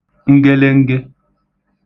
ngelenge